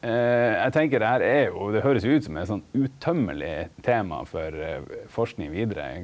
eg tenker det her er jo det høyrest jo ut som eit sånn uuttømmeleg tema for forsking vidare.